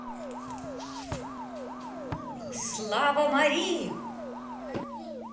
слава мари